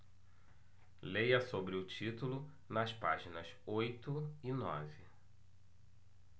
leia sobre o título nas páginas oito e nove